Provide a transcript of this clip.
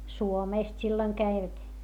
Suomesta silloin kävivät